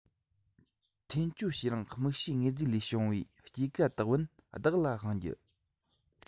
འཐེན བཅོལ བྱེད རིང དམིགས བྱའི དངོས རྫས ལས བྱུང བའི སྐྱེད ཀ དག བུན བདག ལ དབང རྒྱུ